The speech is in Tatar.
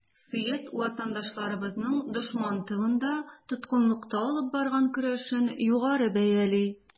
Съезд ватандашларыбызның дошман тылында, тоткынлыкта алып барган көрәшен югары бәяли.